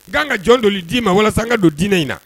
N'an ka jɔn dɔ d'i ma walasa n ka don dinɛ in na